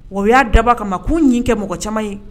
Wa y'a daba kama ma k'u ɲi kɛ mɔgɔ caman ye